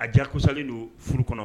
A diya kosalen don furu kɔnɔ